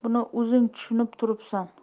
buni o'zing tushunib turibsan